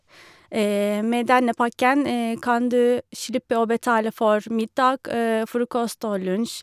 Med denne pakken kan du slippe å betale for middag, frokost og lunsj.